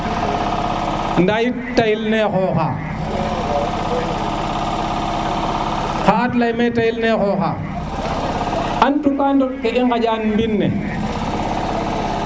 nda yit tayil ne xooxa ka leyit me tayil ne xooxa en tout qu' à ke i gaƴa no mbi ne